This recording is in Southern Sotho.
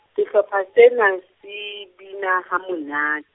sehlopha seno, se bina ha monat-.